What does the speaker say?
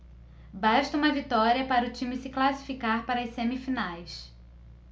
basta uma vitória para o time se classificar para as semifinais